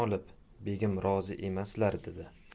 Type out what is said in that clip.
olib begim rozi emaslar dedi